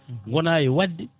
goona e wadde